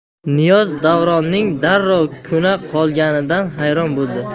niyoz davronning darrov ko'na qolganidan hayron bo'ldi